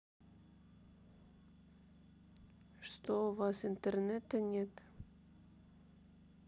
что у вас интернета нет